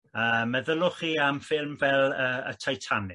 Yy meddylwch chi am ffilm fel yy y Titanic